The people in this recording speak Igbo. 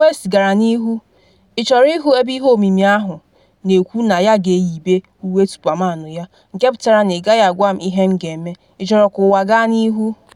West gara n’ihu. “Ị chọrọ ịhụ ebe ihe omimi ahụ?” na-ekwu na ya ga-eyibe uwe superman ya, nke pụtara na ịgaghị agwa m ihe m ga-eme. Ị chọrọ ka ụwa gaa n’ihu?